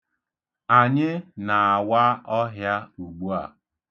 Anyị na-awa ọhịa ugbua.